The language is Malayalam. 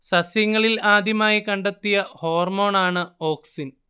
സസ്യങ്ങളിൽ ആദ്യമായി കണ്ടെത്തിയ ഹോർമോൺ ആണ് ഓക്സിൻ